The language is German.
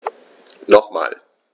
Nochmal.